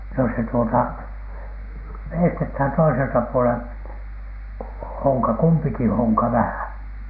no se tuota veistetään toiselta puolen honka kumpikin honka vähän